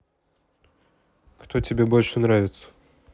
кто тебе больше нравится